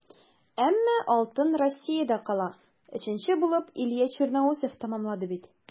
Әмма алтын Россиядә кала - өченче булып Илья Черноусов тәмамлады бит.